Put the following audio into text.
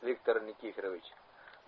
viktor nikiforovich